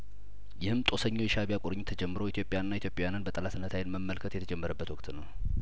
ይህም ጦሰኛው የሻእቢያ ቁርኝት ተጀምሮ ኢትዮጵያና ኢትዮጵያውያንን በጠላትነት አይን መመልከት የተጀመረበት ወቅት ነው